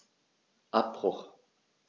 Abbruch.